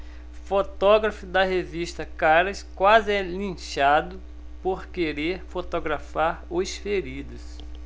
fotógrafo da revista caras quase é linchado por querer fotografar os feridos